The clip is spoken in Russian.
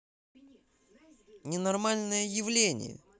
ненормальное явление